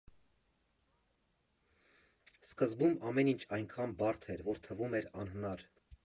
Սկզբում ամեն ինչ այնքան բարդ էր, որ թվում էր անհնար։